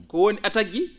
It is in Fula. ko woni attaque ji